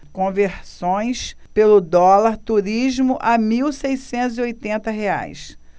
conversões pelo dólar turismo a mil seiscentos e oitenta reais